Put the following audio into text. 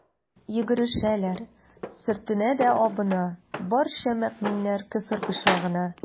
Йөгерешәләр, сөртенә дә абына, барча мөэминнәр «Көфер почмагы»на.